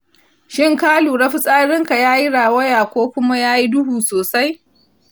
shin ka lura fitsarinka ya yi rawaya ko kuma ya yi duhu sosai?